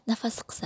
nafasi qisar